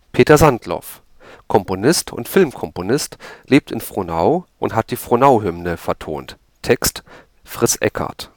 Peter Sandloff, Komponist und Filmkomponist, lebt in Frohnau und hat die „ Frohnau Hymne “vertont (Text: Fritz Eckard